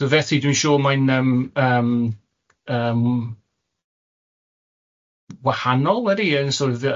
So felly dwi'n siŵr mae'n yym yym yym wahanol wedi yn sor' of